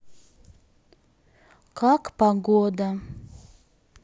как погода